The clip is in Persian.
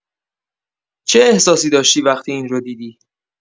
چه احساسی داشتی وقتی این رو دیدی؟